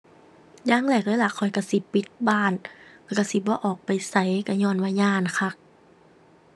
อย่างแรกเลยล่ะข้อยก็สิปิดบ้าน ก็สิบ่ออกไปไสก็ญ้อนว่าย้านคัก